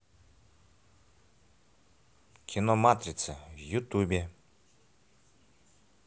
кино матрица в ютубе